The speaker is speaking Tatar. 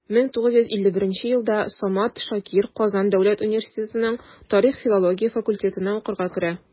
1951 елда самат шакир казан дәүләт университетының тарих-филология факультетына укырга керә.